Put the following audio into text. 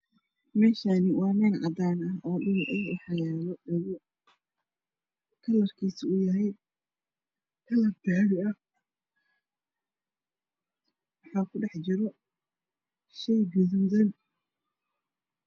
Meshanii waa meel cadan ah oo dhul ah waxaa yalo dhego kalar kiisa uyahay kalra dahabi ah waxaa ku dhex jira shey gaduudan